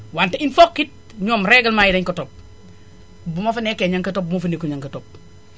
wante il faut it ñoom réglement yi dañu ko topp bu ma fa nekkee ña nga koy topp bu ma fa nekkul ña nga ko topp